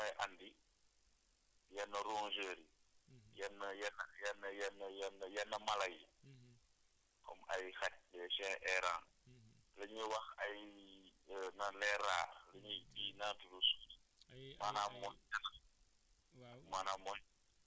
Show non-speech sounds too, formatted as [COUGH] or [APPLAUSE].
parce que la ñuy bàyyi foofu comme saleté loolu mooy andi yenn rongeurs yi yenn yenn yenn yenn yenn yenn mala yi comme ay xaj les chiens airant la ñuy wax ay [HESITATION] naan les rats ***